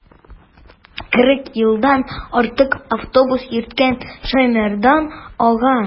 Кырык елдан артык автобус йөрткән Шәймәрдан ага.